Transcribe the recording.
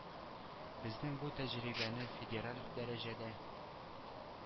Безнең бу тәҗрибәне федераль дәрәҗәдә